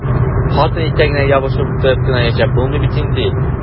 Хатын итәгенә ябышып утырып кына яшәп булмый бит инде!